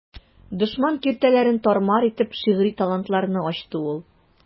Дошман киртәләрен тар-мар итеп, шигъри талантларны ачты ул.